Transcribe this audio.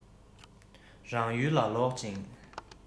རང ཡུལ ལ ལོག ཅིང